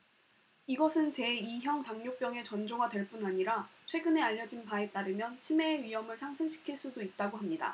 이것은 제 이 형 당뇨병의 전조가 될 뿐 아니라 최근에 알려진 바에 따르면 치매의 위험을 상승시킬 수도 있다고 합니다